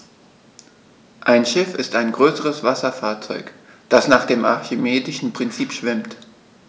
Ein Schiff ist ein größeres Wasserfahrzeug, das nach dem archimedischen Prinzip schwimmt.